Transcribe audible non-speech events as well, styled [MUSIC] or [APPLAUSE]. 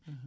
[HESITATION] [HESITATION]